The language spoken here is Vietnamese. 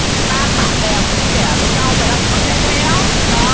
đang bạn bè vui vẻ với nhau mày đang nói cái đéo gì dợ